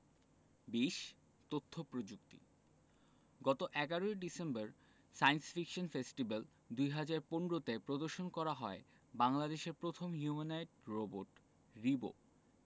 ২০ তথ্য প্রযুক্তি গত ১১ ডিসেম্বর সায়েন্স ফিকশন ফেস্টিভ্যাল ২০১৫ তে প্রদর্শন করা হয় বাংলাদেশের প্রথম হিউম্যানোয়েড রোবট রিবো